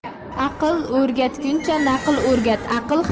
aql o'rgatguncha naql o'rgat